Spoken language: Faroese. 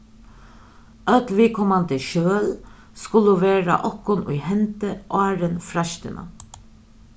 øll viðkomandi skjøl skulu vera okkum í hendi áðrenn freistina